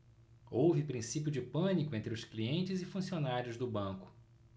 houve princípio de pânico entre os clientes e funcionários do banco